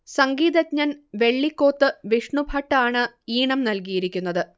സംഗീതജ്ഞൻ വെള്ളിക്കോത്ത് വിഷ്ണുഭട്ട് ആണ് ഈണം നല്കിയിരിക്കുന്നത്